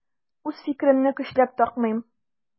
Үз фикеремне көчләп такмыйм.